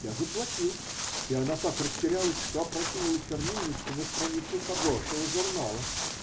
Я заплатил, и она так растерялась, что опрокинула чернильницу на страницу хорошего журнала.